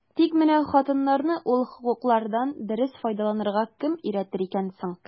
Тик менә хатыннарны ул хокуклардан дөрес файдаланырга кем өйрәтер икән соң?